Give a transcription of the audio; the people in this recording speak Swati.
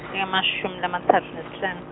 ngemashumi lamatsatfu nesihlanu.